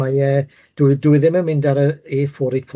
mae e, dwi dwi ddim yn mynd ar y ay four eight four chwaith.